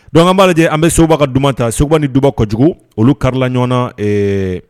Don an b'ale lajɛ an bɛ sobaga ka duman ta seguban ni duba kojugu olu karila ɲɔgɔn ɛɛ